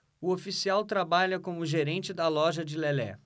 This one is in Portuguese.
o oficial trabalha como gerente da loja de lelé